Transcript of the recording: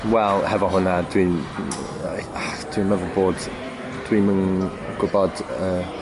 Wel hefo hwnna dwi'n dwi'n meddwl bod, dwi'm yn gwybod yy